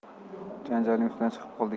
janjalning ustidan chiqib qoldik